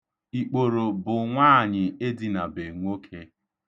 Ikporo bu nwaanyi edinabe nwoke.